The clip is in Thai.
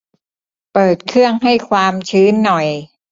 เปิดเครื่องให้ความชื้นหน่อย